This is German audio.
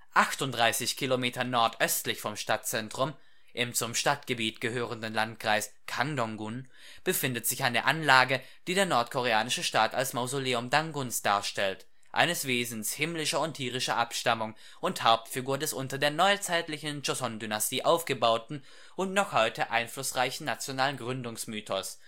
38 km nordöstlich vom Stadtzentrum, im zum Stadtgebiet gehörenden Landkreis Kangdong-gun, befindet sich eine Anlage, die der nordkoreanische Staat als Mausoleum Danguns darstellt – eines Wesens himmlischer und tierischer Abstammung und Hauptfigur des unter der neuzeitlichen Joseon-Dynastie aufgebauten und noch heute einflussreichen nationalen Gründungsmythos